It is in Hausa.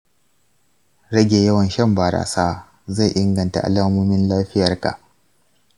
rage yawan shan barasa zai inganta alamomin lafiyarka.